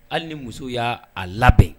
Hali ni muso y'a a labɛn